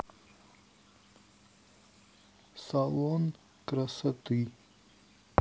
салон красоты